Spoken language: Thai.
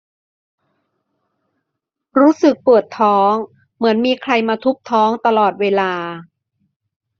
รู้สึกปวดท้องเหมือนมีใครมาทุบท้องตลอดเวลา